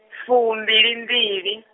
fumbilimbili.